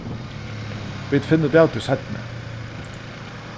vit finna út av tí seinni